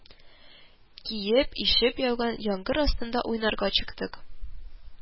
Киеп, ишеп яуган яңгыр астына уйнарга чыктык